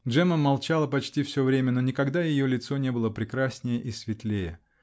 Джемма молчала почти все время, но никогда ее лицо не было прекраснее и светлее.